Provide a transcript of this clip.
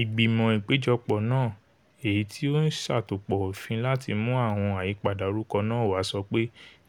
Ìgbìmọ̀ Ìpéjọpọ̀ náà, èyítí ó ń ṣàtópọ òfin láti mú àwọn àyípadà orúkọ náà wá, sọpe: